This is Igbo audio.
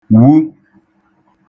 wu